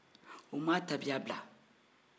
u ma tabiya bila